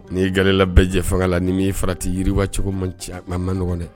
N'i gla bɛɛ jɛ fanga la ni m'i fara tɛ yiriwa cogo manɔgɔn dɛ